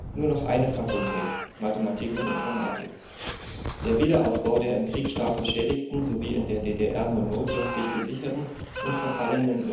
nur noch eine Fakultät (Mathematik und Informatik). Der Wiederaufbau der im Krieg stark beschädigten sowie in der DDR nur notdürftig gesicherten und verfallenen